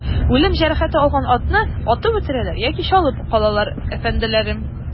Үлем җәрәхәте алган атны атып үтерәләр яки чалып калалар, әфәнделәрем.